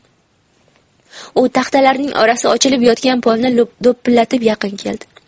u taxtalarining orasi ochilib yotgan polni do'pillatib yaqin keldi